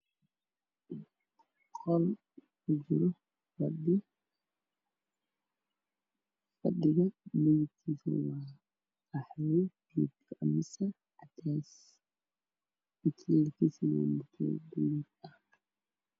Waa qol waxaa yaalo fadhi midabkiisu waa qaxwi iyo cadeys. Mutuleelkana waa cadaan.